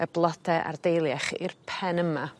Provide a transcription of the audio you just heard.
y blode a'r deiliach i'r pen yma.